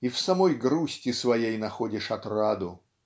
и в самой грусти своей находишь отраду.